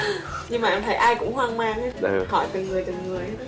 em thấy ai cũng hoang mang hết ớ hỏi từng người từng người